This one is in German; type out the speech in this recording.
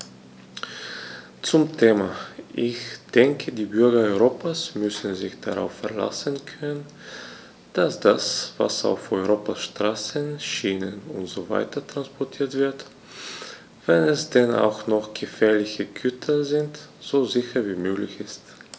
Zum Thema: Ich denke, die Bürger Europas müssen sich darauf verlassen können, dass das, was auf Europas Straßen, Schienen usw. transportiert wird, wenn es denn auch noch gefährliche Güter sind, so sicher wie möglich ist.